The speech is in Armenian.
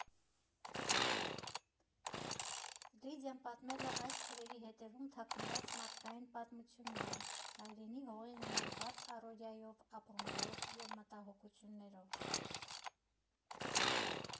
Լիդիան պատմել է այս թվերի հետևում թաքնված մարդկային պատմությունները՝ հայրենի հողի համար բարդ առօրյայով, ապրումներով և մտահոգություններով։